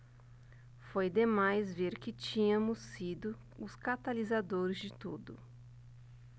foi demais ver que tínhamos sido os catalisadores de tudo